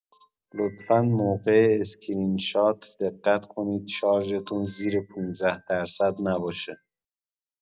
لطفا موقع اسکرین‌شات دقت کنید شارژتون زیر ۱۵٪ نباشه.